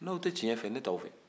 n'aw tɛ tiɲɛ fɛ ne t'aw fɛ